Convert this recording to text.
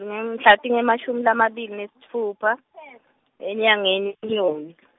mhla tingemashumi lamabili nesitfupha enyangeni Inyoni .